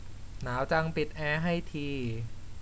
หนาวจังปิดแอร์ให้ที